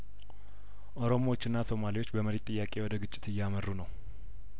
ኦሮሞዎችና ሶማሌዎች በመሬት ጥያቄ ወደ ግጭት እያመሩ ነው